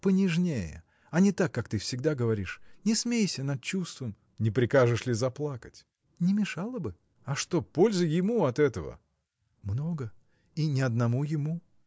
понежнее, а не так, как ты всегда говоришь. не смейся над чувством. – Не прикажешь ли заплакать? – Не мешало бы. – А что пользы ему от этого? – Много. и не одному ему.